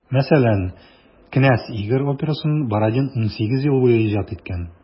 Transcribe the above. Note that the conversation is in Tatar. Мәсәлән, «Кенәз Игорь» операсын Бородин 18 ел буе иҗат иткән.